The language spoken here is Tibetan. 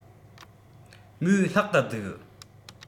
མོའི ལྷག ཏུ སྡུག